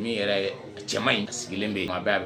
Min yɛrɛ cɛman in sigilen bɛ yen a b'a bɛ